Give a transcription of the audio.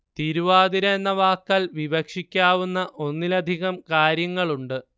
തിരുവാതിര എന്ന വാക്കാൽ വിവക്ഷിക്കാവുന്ന ഒന്നിലധികം കാര്യങ്ങളുണ്ട്